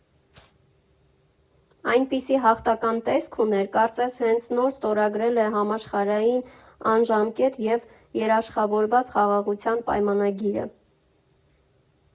Այնպիսի հաղթական տեսք ուներ, կարծես հենց նոր ստորագրել է համաշխարհային անժամկետ և երաշխավորված խաղաղության պայմանագիրը։